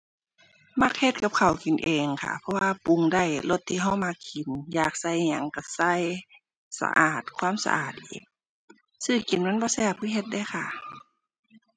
มักเฮ็ดกับข้าวกินเองค่ะเพราะว่าปรุงได้รสที่เรามักกินอยากใส่หยังเราใส่ สะอาดความสะอาดอีก ซื้อกินมันบ่แซ่บคือเฮ็ดเดะค่ะ